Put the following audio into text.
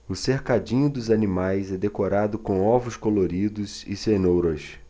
o cercadinho dos animais é decorado com ovos coloridos e cenouras